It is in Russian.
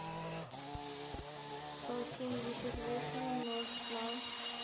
сто семьдесят восемь умножить на